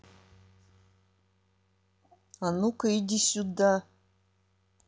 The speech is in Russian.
а ну ка иди сюда